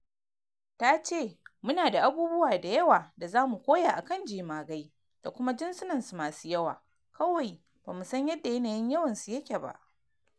Ta ce: “Mu na da abubuwa da yawa da zamu koya akan jemagai da kuma jinsunan su masu yawa kawai bamu san yadda yanayin yawan su yake ba.”